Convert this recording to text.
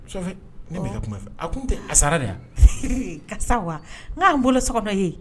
A sara de yan karisa sa wa n''an bolo ye